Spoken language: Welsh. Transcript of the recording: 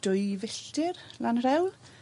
dwy filltir lan rhewl.